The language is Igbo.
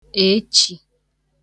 echì